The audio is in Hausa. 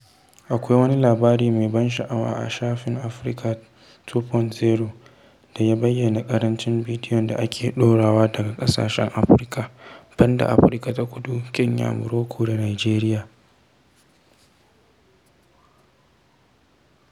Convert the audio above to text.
Akwai wani labari mai ban sha’awa a shafin Africa2.0 da ya bayyana ƙarancin bidiyon da ake ɗorawa daga ƙasashen Afirka (banda Afirka ta Kudu, Kenya, Morocco da Najeriya)